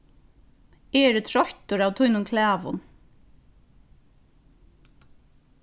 eg eri troyttur av tínum klagum